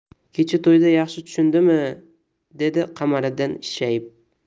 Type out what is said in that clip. kecha to'yda yaxshi tushdimi dedi qamariddin ishshayib